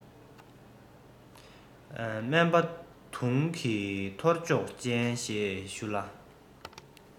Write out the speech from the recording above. སྨན པ དུང གི ཐོར ཅོག ཅན ཞེས ཞུ ལ